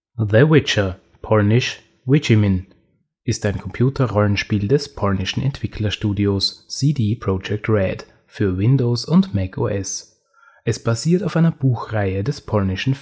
The Witcher (polnisch Wiedźmin) ist ein Computer-Rollenspiel des polnischen Entwicklerstudios CD Projekt RED für Windows und Mac OS. Es basiert auf einer Buchreihe des polnischen